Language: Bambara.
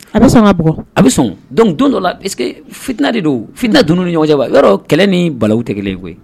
A bɛ sɔn ka a bɛ sɔn donc don dɔ la que fitina de don fina dunun ni ɲɔgɔncɛ yɔrɔ kɛlɛ ni bala tɛ kelen koyi